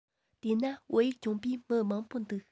དེས ན བོད ཡིག སྦྱོང བའི མི མང པོ འདུག